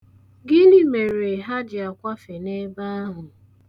Gịnị mere ha ji akwafe n'ebe ahụ.